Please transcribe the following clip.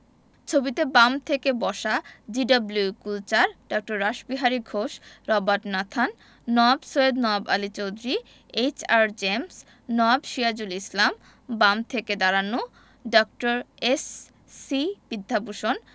ছবিতে বাম থেকে বসা জি.ডব্লিউ. কুলচার Dr. Rashbehari Ghosh Robert Nathan Nawab Syed Nawab Ali Chowdhury H R. James Nawab Sirajul Islam বাম থেকে দাঁড়ানো ড. এস.সি. বিধ্যাভূষণ